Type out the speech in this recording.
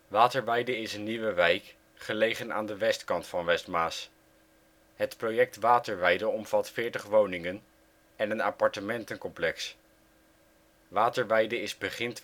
Waterweide is een nieuwe wijk gelegen aan de West-kant van Westmaas. Het project Waterweide omvat 40 woningen en een appartementencomplex. Waterweide is begin